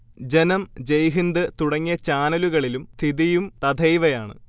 ജനം, ജയ്ഹിന്ദ് തുടങ്ങിയ ചാനലുകളിലും സ്ഥിതിയും തഥൈവയാണ്